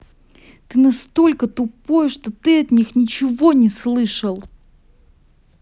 ты настолько тупой что ты о них ничего не слышал